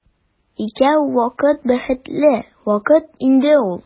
Икәү вакыт бәхетле вакыт инде ул.